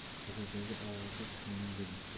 bozordagi ovoza fitnaning belgisi